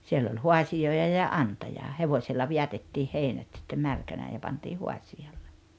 siellä oli haasioita ja antaja hevosilla vedätettiin heinät sitten märkänään ja pantiin haasiolle